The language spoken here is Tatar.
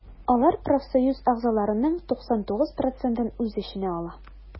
Алар профсоюз әгъзаларының 99 процентын үз эченә ала.